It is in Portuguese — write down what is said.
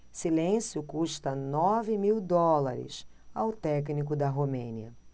silêncio custa nove mil dólares ao técnico da romênia